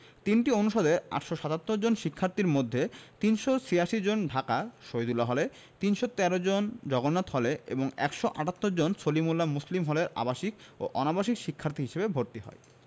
৩টি অনুষদের ৮৭৭ জন শিক্ষার্থীর মধ্যে ৩৮৬ জন ঢাকা শহীদুল্লাহ হলে ৩১৩ জন জগন্নাথ হলে এবং ১৭৮ জন সলিমুল্লাহ মুসলিম হলের আবাসিক ও অনাবাসিক শিক্ষার্থী হিসেবে ভর্তি হয়